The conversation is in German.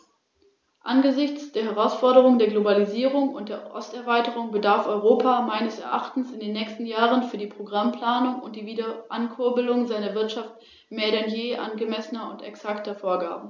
Mir als Österreicher, aber ich glaube, uns allen ist noch die Katastrophe in lebendiger Erinnerung, die im vergangenen Jahr im Tauerntunnel zahlreiche Menschenleben gekostet hat und wo anschließend viele Monate lang mit gigantischem finanziellem Aufwand wiederaufgebaut werden musste, was bei diesem Brand im Tunnel zerstört worden ist.